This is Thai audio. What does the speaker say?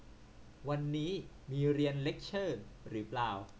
วันนี้มีเรียนเลคเชอร์รึป่าว